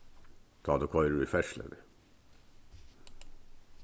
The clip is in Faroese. tá tú koyrir í ferðsluni